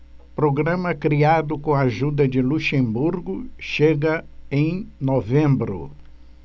programa criado com a ajuda de luxemburgo chega em novembro